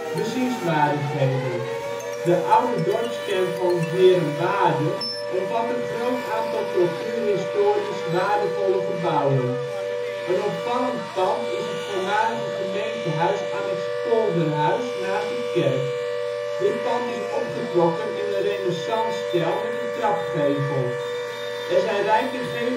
De oude dorpskern van Heerewaarden omvat een groot aantal cultuurhistorisch waardevolle gebouwen. Een opvallend pand is het (voormalige) gemeentehuis annex polderhuis naast de kerk. Dit pand is opgetrokken in een renaissancestijl met een trapgevel. Er zijn rijke gevelversieringen